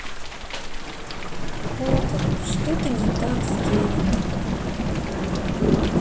okko что то не так с кевином